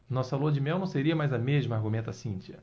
nossa lua-de-mel não seria mais a mesma argumenta cíntia